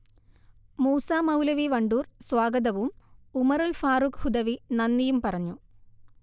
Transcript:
മൂസമൗലവി വണ്ടൂർ സ്വാഗതവും ഉമറുൽ ഫാറൂഖ്ഹുദവി നന്ദിയും പറഞ്ഞു